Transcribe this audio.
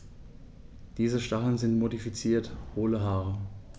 Diese Stacheln sind modifizierte, hohle Haare.